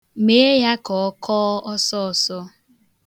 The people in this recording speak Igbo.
Mee ya ka ọ kọọ ọsọọsọ.